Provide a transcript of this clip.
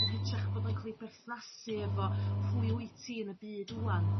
yn hytrach 'a bod o'n ca'l 'i berthnasu efo pwy wyt ti yn y byd 'wan.